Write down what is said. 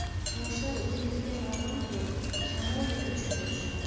yoshlar o'zingizga ma'lum ku shamoldek uchib yurishadi